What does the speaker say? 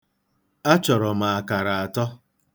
Achọro m akara atọ.